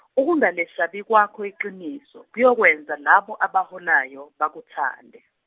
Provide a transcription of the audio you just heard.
ukungalesabi kwakho iqiniso kuyokwenza labo obaholayo bakuthande.